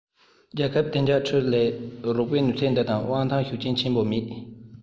རྒྱལ ཁབ བདེ འཇགས ཁྲུའུ ལས རོགས པའི ནུས ཚད འདི དང དབང ཐང ཤུགས རྐྱེན ཆེན པོ མེད